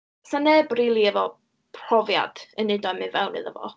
'Sa neb rili efo profiad yn wneud o a mynd fewn iddo fo.